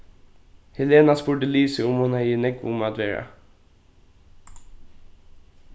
helena spurdi lisu um hon hevði nógv um at vera